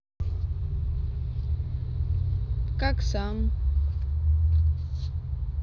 как сам